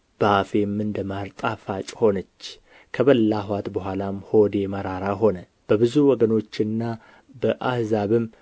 በአፌም እንደ ማር ጣፋጭ ሆነች ከበላኋት በኋላም ሆዴ መራራ ሆነ በብዙ ወገኖችና በአሕዛብም